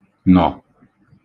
nọ̀